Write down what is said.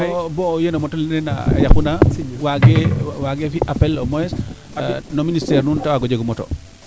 boo boo yeno moto lene yaquna waage wage fi appel au moins no ministaire nuun te waago jego moto